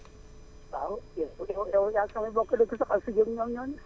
waaw